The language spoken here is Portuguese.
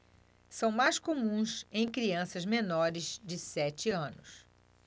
são mais comuns em crianças menores de sete anos